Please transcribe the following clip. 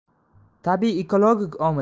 tabiiy ekologik omil